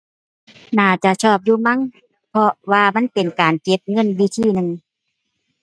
น่าจะชอบอยู่มั้ง เพราะว่ามันเป็นการเก็บเงินวิธีหนึ่ง